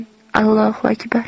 ollohu akbar